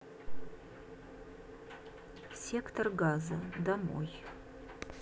сектор газа домой